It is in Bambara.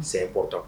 C'est important